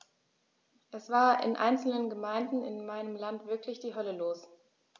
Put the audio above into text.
Es war in einzelnen Gemeinden in meinem Land wirklich die Hölle los.